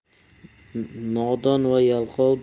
nodon va yalqov